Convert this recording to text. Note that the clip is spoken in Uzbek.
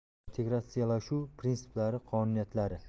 integratsiyalashuv printsiplari qonuniyatlari